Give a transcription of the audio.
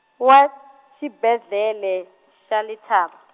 wa, xibedlhele, xa Letaba.